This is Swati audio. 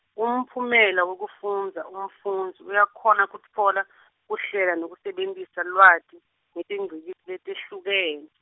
umphumela wekufundza umfundzi uyakhona kutfola , kuhlela nekusebentisa lwati, ngetingcikitsi letehlukene.